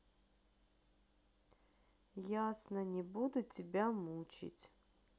ясно не буду тебя мучить